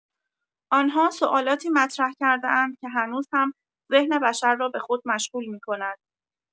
آن‌ها سوالاتی مطرح کرده‌اند که هنوز هم ذهن بشر را به خود مشغول می‌کند.